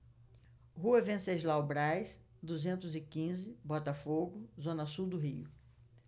rua venceslau braz duzentos e quinze botafogo zona sul do rio